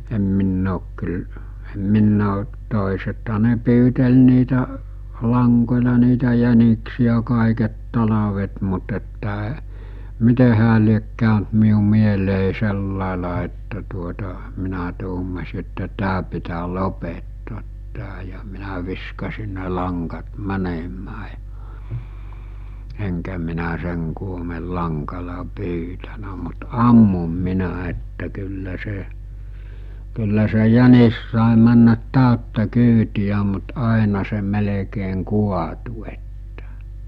en minä ole - en minä ole toisethan ne pyyteli niitä langoilla niitä jäniksiä kaiket talvet mutta että miten hän lie käynyt minun mieleni sillä lailla että tuota minä tuumasin että tämä pitää lopettaa tämä ja minä viskasin ne langat menemään ja enkä minä sen koommin langalla pyytänyt mutta ammuin minä että kyllä se kyllä se jänis sai mennä täyttä kyytiä mutta aina se melkein kaatui että